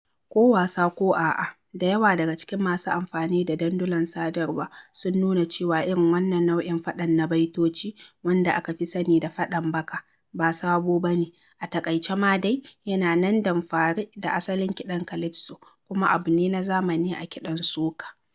Ko wasa ko a'a, da yawa daga cikin masu amfani da dandulan sadarwa sun nuna cewa irin wannan nau'in faɗan na baitoci (wanda aka fi sani da "faɗan baka") ba sabo ba ne; a taƙaice ma dai, yana nan ɗamfare da asalin kiɗan calypso, kuma abu ne na zamani a kiɗan soca.